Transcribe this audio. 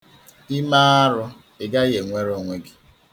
I mee arụ, ị gaghị enwere onwe gị.